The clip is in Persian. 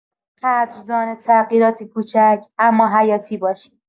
قدردان تغییرات کوچک اما حیاتی باشید.